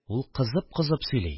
Ул кызып-кызып сөйли